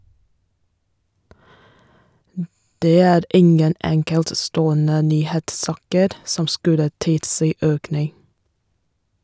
- Det er ingen enkeltstående nyhetssaker som skulle tilsi økning.